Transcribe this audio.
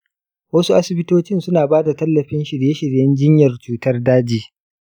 wasu asibitocin suna bada tallafin shirye shiryen jinyar cutar daji.